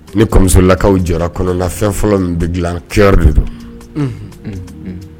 Ni kɔmusolakaw jɔ kɔnɔnalafɛn fɔlɔ min bɛ dila ke de